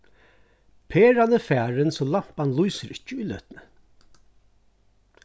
peran er farin so lampan lýsir ikki í løtuni